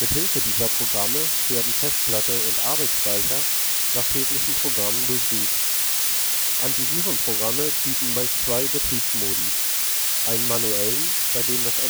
Hilfe dieser Programme werden Festplatte und Arbeitsspeicher nach schädlichen Programmen durchsucht. Antivirenprogramme bieten meist zwei Betriebsmodi: einen manuellen, bei dem das